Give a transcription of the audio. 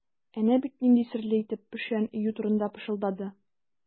Әнә бит нинди серле итеп печән өю турында пышылдады.